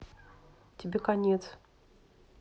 тебе конец